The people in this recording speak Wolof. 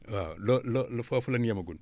waaw loo loo loo foofu la ñu yamagum